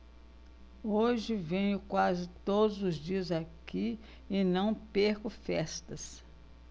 hoje venho quase todos os dias aqui e não perco festas